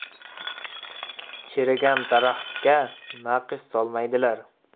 chirigan daraxtga naqsh solmaydlar